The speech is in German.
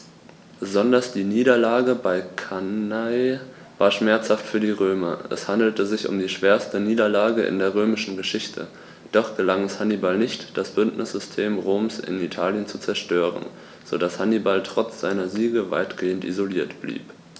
Besonders die Niederlage bei Cannae war schmerzhaft für die Römer: Es handelte sich um die schwerste Niederlage in der römischen Geschichte, doch gelang es Hannibal nicht, das Bündnissystem Roms in Italien zu zerstören, sodass Hannibal trotz seiner Siege weitgehend isoliert blieb.